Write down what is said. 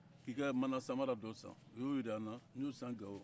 k'i ka mana samara dɔ san o y'o jira n na n y'o san gawo